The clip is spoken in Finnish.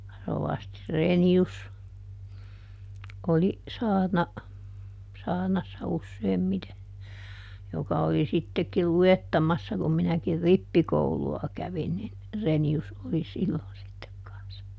rovasti Reinius oli saarna saarnassa useimmiten joka oli sittenkin luettamassa kun minäkin rippikoulua kävin niin Reinius oli silloin sitten kanssa